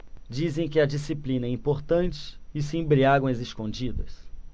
dizem que a disciplina é importante e se embriagam às escondidas